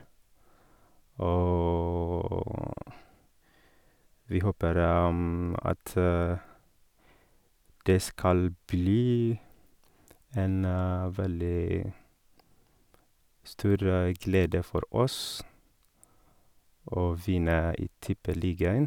Og vi håper at det skal bli en veldig stor glede for oss å vinne i tippeligaen.